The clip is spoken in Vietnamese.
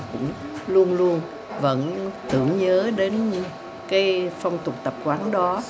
cũng luôn luôn vẫn tưởng nhớ đến cái phong tục tập quán đó